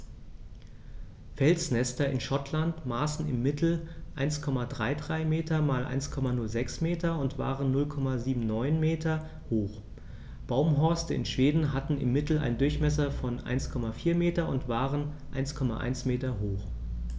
Felsnester in Schottland maßen im Mittel 1,33 m x 1,06 m und waren 0,79 m hoch, Baumhorste in Schweden hatten im Mittel einen Durchmesser von 1,4 m und waren 1,1 m hoch.